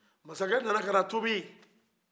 masakɛ nana ka tubi